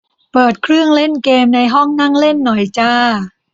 เปิดเครื่องเล่นเกมในห้องนั่งเล่นหน่อยจ้า